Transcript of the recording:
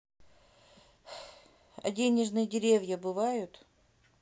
а денежные деревья бывают